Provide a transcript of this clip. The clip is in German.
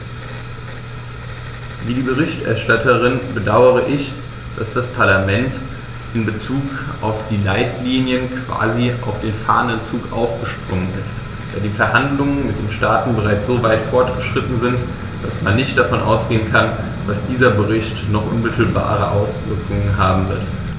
Wie die Berichterstatterin bedaure ich, dass das Parlament in bezug auf die Leitlinien quasi auf den fahrenden Zug aufgesprungen ist, da die Verhandlungen mit den Staaten bereits so weit fortgeschritten sind, dass man nicht davon ausgehen kann, dass dieser Bericht noch unmittelbare Auswirkungen haben wird.